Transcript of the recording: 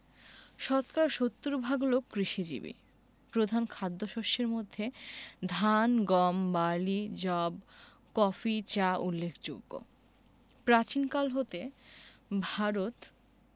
শতকরা ৭০ ভাগ লোক কৃষিজীবী প্রধান খাদ্যশস্যের মধ্যে ধান গম বার্লি যব কফি চা উল্লেখযোগ্যপ্রাচীনকাল হতে ভারত